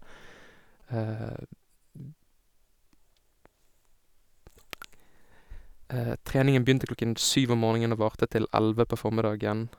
Treningen begynte klokken syv om morgenen og varte til elleve på formiddagen.